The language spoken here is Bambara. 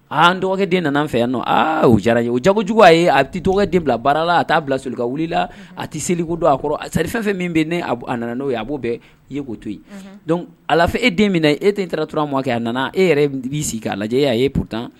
Aa n dɔgɔden nana fɛ yan o diyara ye o jagojugu a ye a tɛ tɔgɔden bila baarala a t'a bila soka wili la a tɛ seliku don a kɔrɔ sadi fɛn min bɛ a nana n'o ye a b'o bɛɛ i ye k'o to yen a fɔ e den minɛ e tɛ taara turama ma kɛ a nana e yɛrɛ b'i sigi k'a lajɛ e'a ye po